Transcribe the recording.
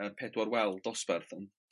yy pedwar wal dosbarth ym.